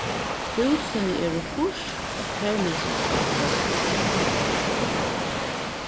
húsini eru fýrs fermetrar til støddar